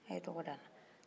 a' ye tɔgɔ da